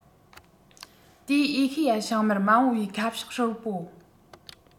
དེ ཨེ ཤེ ཡ བྱང ཤར མ འོངས པའི ཁ ཕྱོགས ཧྲིལ པོ